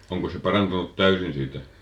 onko se parantunut täysin siitä